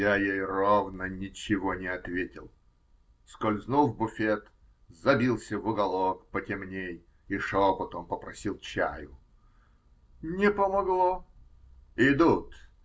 Я ей ровно ничего не ответил, скользнул в буфет, забился в уголок потемней и шепотом попросил чаю. Не помогло. Идут.